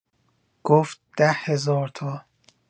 گفت: ده‌هزار تا.